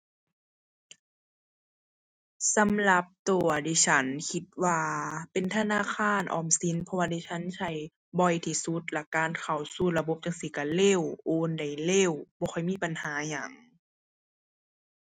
สำหรับตัวดิฉันคิดว่าเป็นธนาคารออมสิน เพราะว่าดิฉันใช้บ่อยที่สุด แล้วการเข้าสู่ระบบจั่งซี้ก็เร็ว โอนได้เร็ว บ่ค่อยมีปัญหาหยัง